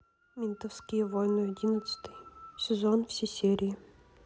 ментовские войны одиннадцатый сезон все серии